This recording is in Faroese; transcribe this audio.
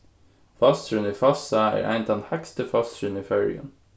fossurin í fossá er ein tann hægsti fossurin í føroyum